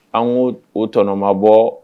An o tɔnɔma bɔ